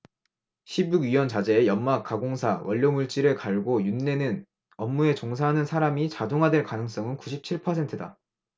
십 육 위원자재 연마 가공사 원료물질을 갈고 윤내는 업무에 종사하는 사람이 자동화될 가능성은 구십 칠 퍼센트다